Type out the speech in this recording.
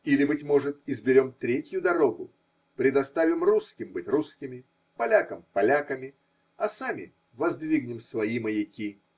Или, быть может, изберем третью дорогу, предоставим русским быть русскими, полякам поляками, а сами воздвигнем свои маяки?